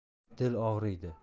dil og'riydi